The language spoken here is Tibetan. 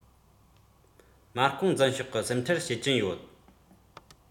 མ རྐང འཛིན ཤོག གི སེམས ཁྲལ བྱེད ཀྱིན ཡོད